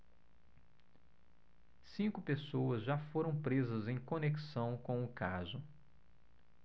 cinco pessoas já foram presas em conexão com o caso